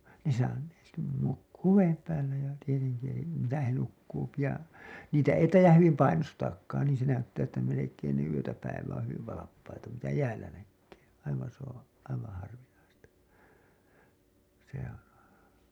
ne - ne nukkuu veden päällä ja tietenkin eli missä he nukkuu ja niitä ei taida hyvin painostaakaan niin se näyttää että melkein ne yötä päivää on hyvin valppaita mitä jäällä näkee aivan se on aivan harvinaista se on